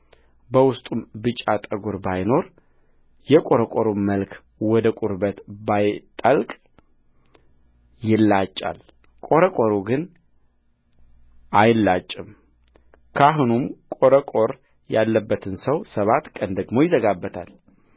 በውስጡም ብጫ ጠጕር ባይኖር የቈረቈሩም መልክ ወደ ቁርበቱ ባይጠልቅ ይላጫልቈረቈሩ ግን አይላጭም ካህኑም ቈረቈር ያለበትን ሰው ሰባት ቀን ደግሞ ይዘጋበታል